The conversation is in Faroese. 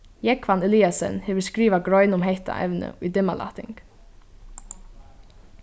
jógvan eliassen hevur skrivað grein um hetta evnið í dimmalætting